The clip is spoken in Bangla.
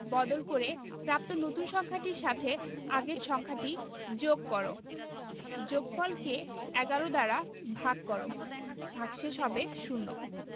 বদল করে প্রাপ্ত নতুন সংখ্যাটির সাথে আগের সংখ্যাটি যোগ কর যোগফল কে ১১ দ্বারা ভাগ কর ভাগশেষ হবে শূন্য